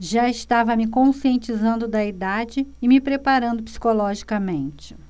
já estava me conscientizando da idade e me preparando psicologicamente